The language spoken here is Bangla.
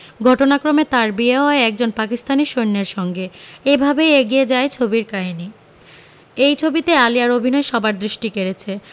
ঘটনাক্রমে তার বিয়ে হয় একজন পাকিস্তানী সৈন্যের সঙ্গে এভাবেই এগিয়েছে ছবির কাহিনী এই ছবিতে আলিয়ার অভিনয় সবার দৃষ্টি কেড়েছে